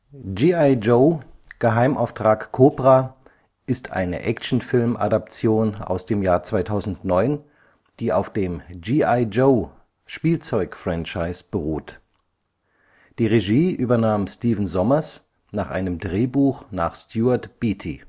G.I. Joe – Geheimauftrag Cobra ist eine Actionfilm-Adaption aus dem Jahr 2009, die auf dem „ G.I.-Joe “- Spielzeugfranchise beruht. Die Regie übernahm Stephen Sommers nach einem Drehbuch nach Stuart Beattie